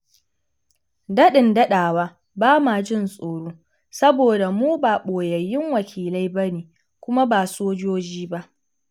Daɗin daɗawa, ba ma jin tsoro, saboda mu ba ɓoyayyun wakilai ba ne kuma ba sojoji ba